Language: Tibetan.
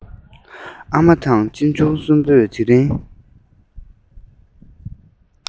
ཨ མ དང གཅེན གཅུང གསུམ པོས དེ རིང